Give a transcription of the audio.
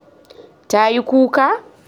“Tayi kuka”?””